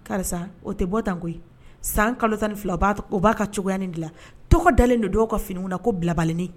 Karisa o tɛ bɔ tan koyi san kalo ni fila b o b'a ka cogoyayaani dilan tɔgɔ dalen de dɔw ka fini na ko bilaba